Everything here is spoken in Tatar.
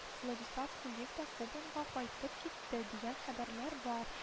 Владислав Кулик та Кубаньга кайтып китте, дигән хәбәрләр бар